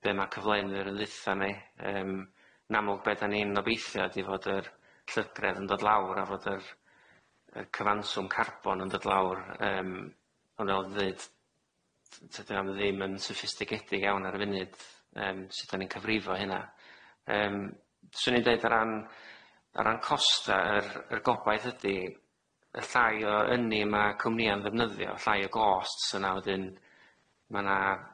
be' ma' cyflenur yn dditha ni yym yn amlwg be' dan ni'n obeithio ydi fod yr llygredd yn dod lawr a fod yr y cyfanswm carbon yn dod lawr yym on' o'n ddeud t- tydi o'm ddim yn syffistigedig iawn ar y funud yym sud o'n i'n cyfrifo hynna yym swn i'n deud o ran o ran costa yr yr gobaith ydi y llai o ynny ma' cwmnïa'n ddefnyddio llai o glosts yna wedyn ma' na'r